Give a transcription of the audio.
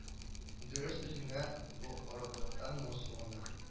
Дөрес үземә бу горурлыктан моңсу гына